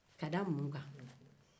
ka da mun kan